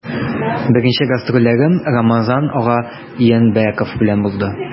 Беренче гастрольләрем Рамазан ага Янбәков белән булды.